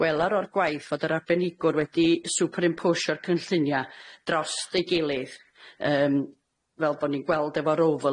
Gwelar o'r gwaith fod yr arbenigwr wedi superimposio'r cynllunia' drost ei gilydd yym fel bo'n ni'n gweld efo'r overlay